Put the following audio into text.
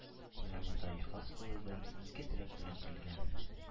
Менә монда ихлас күңелдән, изге теләк белән килгән